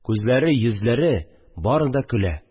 Күзләре, йөзләре – бары да көлә